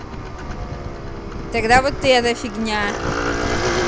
тогда вот эта фигня